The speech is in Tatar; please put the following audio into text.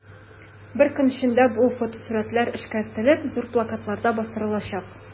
Бер көн эчендә бу фотосурәтләр эшкәртелеп, зур плакатларда бастырылачак.